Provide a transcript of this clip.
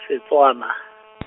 Setswana .